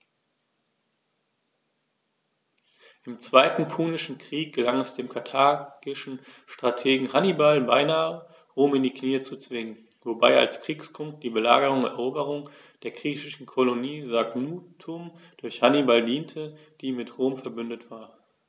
Im Zweiten Punischen Krieg gelang es dem karthagischen Strategen Hannibal beinahe, Rom in die Knie zu zwingen, wobei als Kriegsgrund die Belagerung und Eroberung der griechischen Kolonie Saguntum durch Hannibal diente, die mit Rom „verbündet“ war.